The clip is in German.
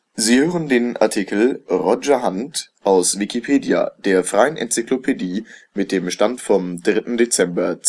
Sie hören den Artikel Roger Handt, aus Wikipedia, der freien Enzyklopädie. Mit dem Stand vom Der